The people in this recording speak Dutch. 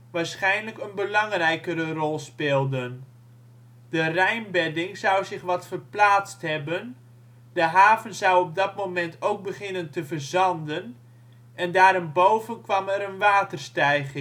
waarschijnlijk een belangrijkere rol speelden. De Rijnbedding zou zich wat verplaatst hebben, de haven zou op dat moment ook beginnen te verzanden en daarenboven kwam er een waterstijging. Het